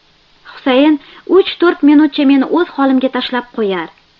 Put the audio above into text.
husayn uch to'rt minutcha meni o'z holimga tashlab qo'yar